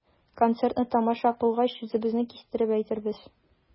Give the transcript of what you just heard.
Концертны тамаша кылгач, сүзебезне кистереп әйтербез.